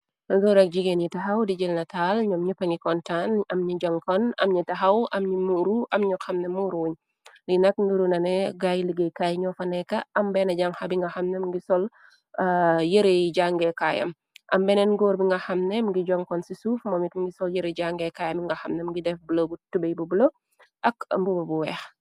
Goorek jigéen yi texaw di jël na taal ñoom ñëppa ngi kontaan am ni jonkon am ñi texaw amñi muuru am ñu xam na muuruuñ li nag nduru nane gaay liggéey kaay ño fa nekka am benn jànxa bi nga xamnam ngi sol yërey jàngeekaayam am beneen góor bi nga xamne ngi jonkon ci suuf mo mitm ngi sol yëre jàngeekaay am nga xamnam ngi def blo bu tubey bu blo ak mbubo bu weex.